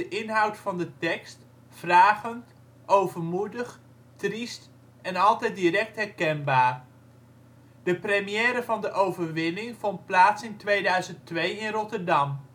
inhoud van de tekst: vragend, overmoedig, triest en altijd direct herkenbaar. De première van " De Overwinning " vond plaats in 2002 in Rotterdam